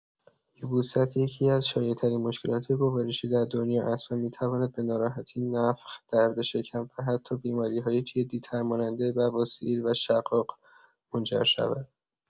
یبوست یکی‌از شایع‌ترین مشکلات گوارشی در دنیا است و می‌تواند به ناراحتی، نفخ، درد شکم و حتی بیماری‌های جدی‌تر مانند بواسیر و شقاق منجر شود.